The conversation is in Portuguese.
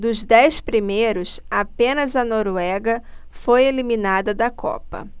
dos dez primeiros apenas a noruega foi eliminada da copa